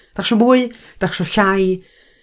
Dach chi isio mwy? Dach chi isio llai?